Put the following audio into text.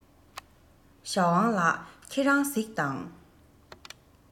ཞའོ ཝང ལགས ཁྱེད རང གཟིགས དང